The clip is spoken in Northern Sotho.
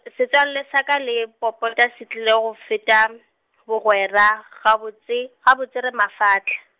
setswalle sa ka le Popota se tiile go feta, bogwera gabotse, gabotse re mafahla.